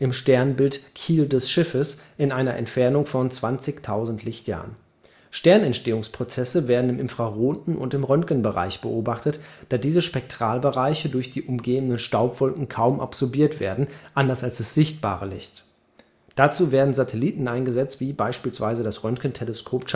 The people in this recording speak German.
Sternbild Kiel des Schiffs in einer Entfernung von 20.000 Lichtjahren. Sternentstehungsprozesse werden im Infraroten und im Röntgenbereich beobachtet, da diese Spektralbereiche durch die umgebenden Staubwolken kaum absorbiert werden, anders als das sichtbare Licht. Dazu werden Satelliten eingesetzt wie beispielsweise das Röntgenteleskop